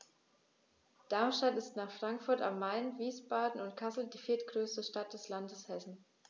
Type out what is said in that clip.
Darmstadt ist nach Frankfurt am Main, Wiesbaden und Kassel die viertgrößte Stadt des Landes Hessen